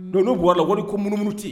la wari ko munumunu tɛ ye.